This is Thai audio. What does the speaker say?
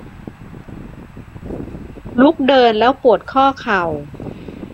ลุกเดินแล้วปวดข้อเข่า